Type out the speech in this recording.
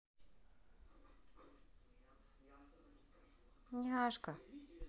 няшка